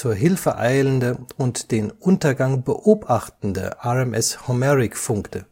Hilfe eilende und den Untergang beobachtende RMS Homeric funkte